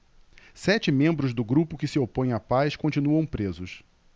sete membros do grupo que se opõe à paz continuam presos